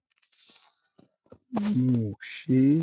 Mo ò ṣé ééé.”